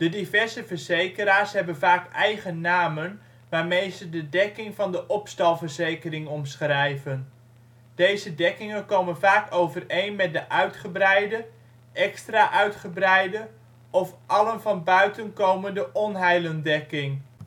diverse verzekeraars hebben vaak eigen namen waarmee ze de dekking van de opstalverzekering omschrijven. Deze dekkingen komen vaak overeen met de uitgebreide, extra uitgebreide of alle van buiten komende onheilen dekking